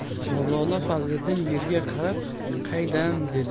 mavlono fazliddin yerga qarab qaydam dedi